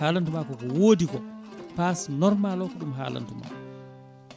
haalantuma koko woodi ko passe normal o ko ɗum haalantuma